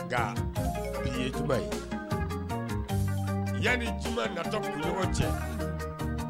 Nga bi ye juma ye . Ya ni juma na ta kunɲɔgɔn cɛ Unhun